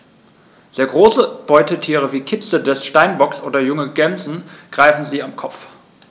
Sehr große Beutetiere wie Kitze des Steinbocks oder junge Gämsen greifen sie am Kopf.